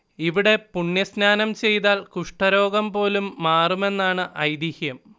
ഇവിടെ പുണ്യസ്നാനം ചെയ്താൽ കുഷ്ഠരോഗം പോലും മാറുമെന്നാണ് ഐതീഹ്യം